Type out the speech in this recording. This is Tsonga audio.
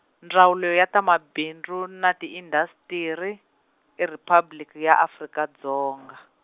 Ndzawulo ya ta Mabindzu na Tiindastri, Riphabliki ya Afrika Dzonga.